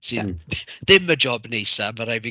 Sy ddim y job neisa, ma' raid fi...